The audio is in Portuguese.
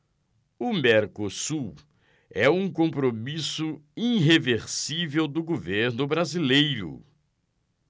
o mercosul é um compromisso irreversível do governo brasileiro